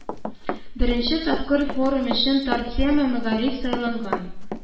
Беренче тапкыр форум өчен тар тема – мәгариф сайланган